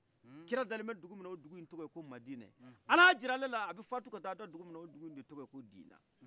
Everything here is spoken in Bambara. kira dale do dugumina o dugu in tɔgɔ ko madinɛ ala ya jira alela abi fatu ka taa da dugumina o tɔgɔye ko dinɛ